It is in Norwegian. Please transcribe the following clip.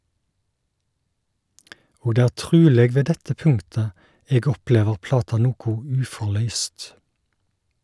Og det er truleg ved dette punktet eg opplever plata noko uforløyst.